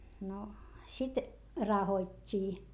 no sitten rahottiin